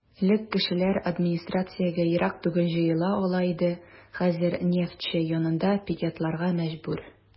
Элек кешеләр администрациягә ерак түгел җыела ала иде, хәзер "Нефтьче" янында пикетларга мәҗбүр.